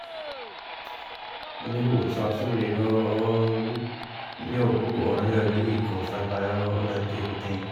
Men i hovedsak så blir det å å jobbe på gården og gjøre vedlikeholdsarbeid å og den type ting.